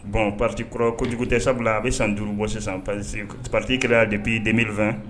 Bɔn patikɔrɔ ko kojugu tɛ sabula a bɛ san duuru bɔ sisan pa partiki de bi denmisɛn fɛ